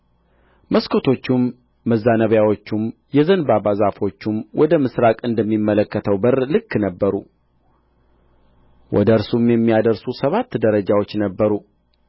መስኮቶቹም መዛነቢያዎቹም የዘንባባ ዛፎቹም ወደ ምሥራቅ እንደሚመለከተው በር ልክ ነበሩ ወደ እርሱም የሚያደርሱ ሰባት ደረጃዎች ነበሩ